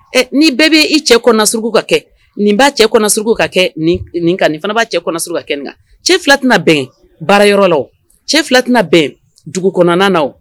Ɛ ni bɛɛ bɛ i cɛ kɔnɔnasuruku k'a kɛ nin b'a cɛ kɔnɔnasuruku k'a kɛ nin k nin k'a nin fana b'a cɛ kɔnɔnasuruku k'a kɛ nin ŋa cɛ 2 tɛna bɛɛn baarayɔrɔ la o cɛ 2 tɛna bɛn dugukɔnɔna na o